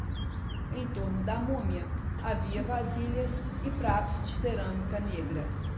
em torno da múmia havia vasilhas e pratos de cerâmica negra